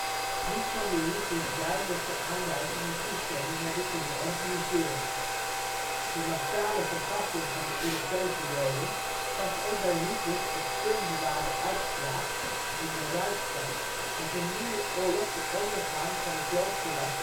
zonder Hitlers duidelijke aanwijzing en toestemming hebben kunnen organiseren. De massale vergassing van de Europese Joden past ook bij Hitlers op film bewaarde uitspraak in de Reichstag dat ' een nieuwe oorlog de ondergang van het Joodse ras